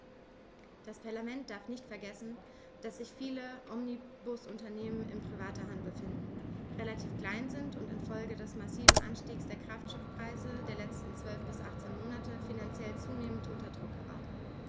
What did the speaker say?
Dieses Parlament darf nicht vergessen, dass sich viele Omnibusunternehmen in privater Hand befinden, relativ klein sind und in Folge des massiven Anstiegs der Kraftstoffpreise der letzten 12 bis 18 Monate finanziell zunehmend unter Druck geraten.